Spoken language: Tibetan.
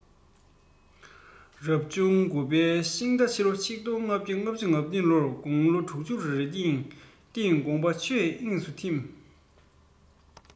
རབ བྱུང དགུ བའི ཤིང རྟ ཕྱི ལོ ༡༥༥༤ ལོར དགུང ལོ དྲུག ཅུ རེ བཞིའི སྟེང དགོངས པ ཆོས དབྱིངས སུ འཐིམས